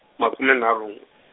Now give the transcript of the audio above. makume nharhu n'w-.